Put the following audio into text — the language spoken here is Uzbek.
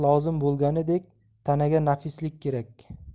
lozim bo'lganidek tanaga nafislik kerak